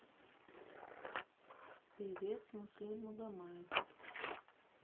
певец муслим магомаев